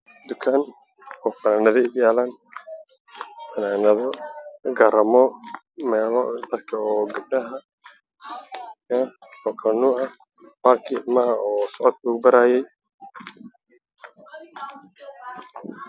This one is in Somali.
Waa dukaan funaanado yaalaan iyo waxyaabbo kale